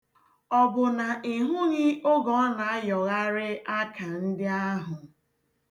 Ọ bụ na ịhụghị oge ọ na-ayọgharị aka ndị ahụ?